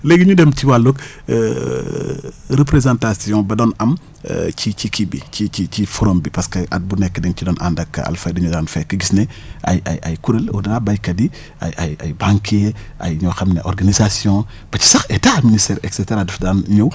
léegi ñu dem ci wàllub représentation ba doon am ci ci kii bi ci ci ci forom bi parce que at bu nekk dañ ci doon ànd ak Alfayda ñu daan fekke gis nañ ne ay ay kuréel au delà béykat yi ay ay ay banquiers ay ñoo xam ne organisation ba ci sax état ministère et cetera daf daan ñëw